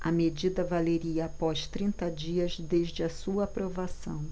a medida valeria após trinta dias desde a sua aprovação